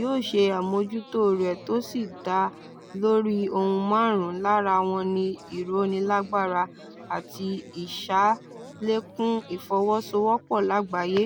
yóò ṣe àmójútó rẹ̀ tó sì dá lórí ohun márùn-ùn, lára wọn ni ìrónilágbára àti ìṣàlékún ìfọwọ́sowọ́pọ̀ lágbàáyé.